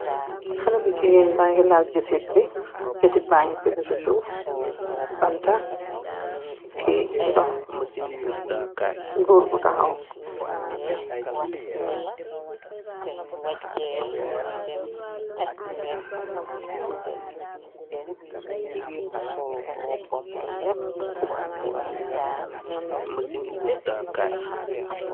Haleh bu gigain baangy lal jehsit bii, jehsit bangy tedue cii suff, bantah kii ndoh, gorre bu takhaw.